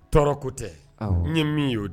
Tɔɔrɔ ko tɛ; awɔ;n ye min y'o de.